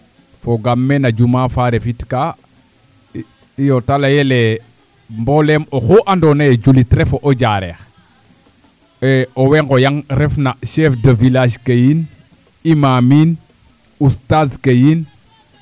fogaaam me na juuma fa a refitkaa iyo ta layel mbooleeem oxu andoona yee o juliit ref oo Diarekh owe nqoyang refna chef de village ke yiin imaam in Oustaz ke yiin